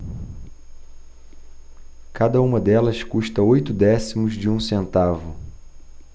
cada uma delas custa oito décimos de um centavo